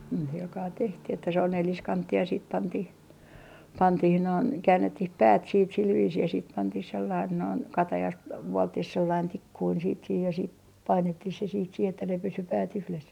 niin sillä kalella tehtiin että se on neliskanttinen ja sitten pantiin pantiin noin käännettiin päät sitten sillä viisiin ja sitten pantiin sellainen noin katajasta vuoltiin sellainen tikkunen sitten siihen ja sitten painettiin se sitten siihen että ne pysyi päät yhdessä